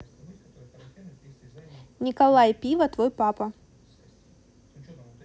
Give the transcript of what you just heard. николай пиво твой папа